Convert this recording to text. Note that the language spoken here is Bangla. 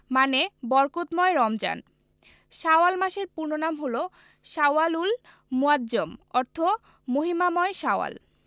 মানে বরকতময় রমজান শাওয়াল মাসের পূর্ণ নাম হলো শাওয়ালুল মুআজ্জম অর্থাৎ মহিমাময় শাওয়াল